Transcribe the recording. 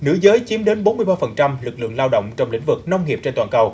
nữ giới chiếm đến bốn mươi ba phần trăm lực lượng lao động trong lĩnh vực nông nghiệp trên toàn cầu